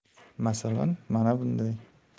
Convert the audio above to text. masalan mana bunday